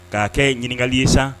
Ka'a kɛ ɲininkakali ye sa!